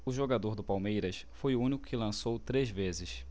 o jogador do palmeiras foi o único que lançou três vezes